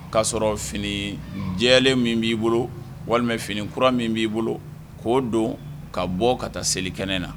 K'a sɔrɔ fini jɛlen min b'i bolo walima fini kura min b'i bolo k'o don ka bɔ ka taa selikɛnɛ na.